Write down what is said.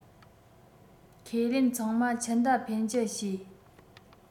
ཁས ལེན ཚང མ ཆུ མདའ འཕེན སྤྱད བྱས